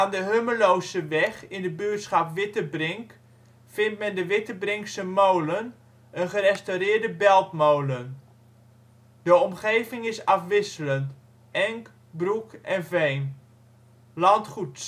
de Hummeloseweg in de buurtschap Wittebrink vindt men de Wittebrinkse Molen, een gerestaureerde beltmolen. De omgeving is afwisselend: enk, broek en veen. Landgoed